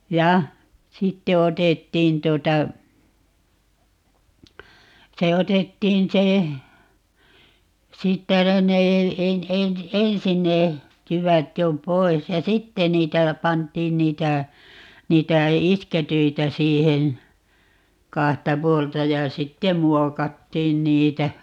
ja sitten otettiin tuota se otettiin se siitä no ne -- ensin ne jyvät jo pois ja sitten niitä pantiin niitä niitä iskettyjä siihen kahta puolta ja sitten muokattiin niitä